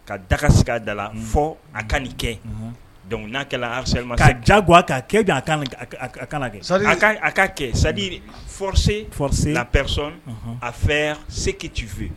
Ka daga sigi a da la fɔ a ka nin kɛ don n'a kɛrasa jago' kɛ don a ka kɛ a ka kɛ sadiri fsi lapɛresɔn a fɛ seke tu fɛ